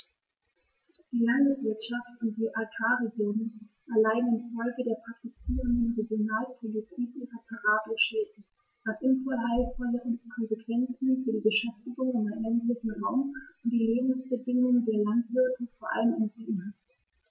Die Landwirtschaft und die Agrarregionen erleiden infolge der praktizierten Regionalpolitik irreparable Schäden, was unheilvolle Konsequenzen für die Beschäftigung im ländlichen Raum und die Lebensbedingungen der Landwirte vor allem im Süden hat.